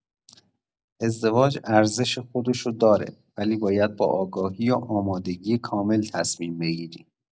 ازدواج ارزش خودشو داره، ولی باید با آگاهی و آمادگی کامل تصمیم بگیری.